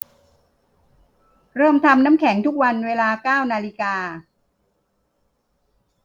เริ่มทำน้ำแข็งทุกวันเวลาเก้านาฬิกา